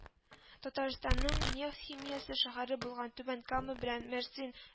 Татарстанның нефть химиясе шәһәре булган Түбән Кама белән Мәрсин